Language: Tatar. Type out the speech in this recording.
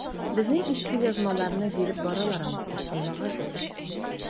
Безнең иске язмаларны биреп баралар ансы, Аллага шөкер.